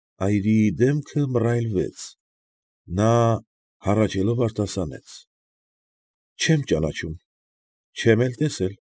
Այրիի դեմքը մռայլվեց, և նա, հառսչելով, արտասանեց, ֊ Չեմ ճանաչում, չեմ էլ տեսել։